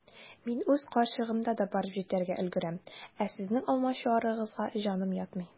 Мин үз карчыгымда да барып җитәргә өлгерәм, ә сезнең алмачуарыгызга җаным ятмый.